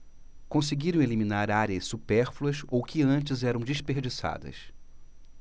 conseguiram eliminar áreas supérfluas ou que antes eram desperdiçadas